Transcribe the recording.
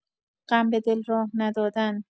غم به دل راه ندادن